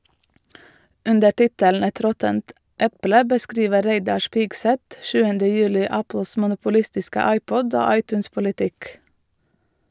Under tittelen «Et råttent eple» beskriver Reidar Spigseth 7. juli Apples monopolistiske iPod- og iTunes-politikk.